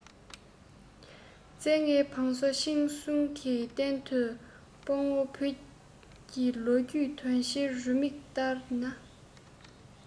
བཙན ལྔའི བང སོ འཆིང གསུང གི རྟེན དུ དཔང བོད ཀྱི ལོ རྒྱུས དོན ཆེན རེའུ མིག ལྟར ན